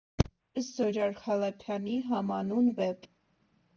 Ըստ Զորայր Խալափյանի համանուն վեպի։